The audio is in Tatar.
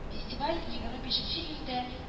Фестиваль егереме бишенче июньдә